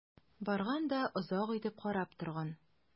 Барган да озак итеп карап торган.